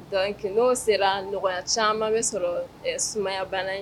Dɔnku ke n'o sera nɔgɔya caman bɛ sɔrɔ sumayabana ye